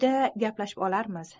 uyda gaplashib olarmiz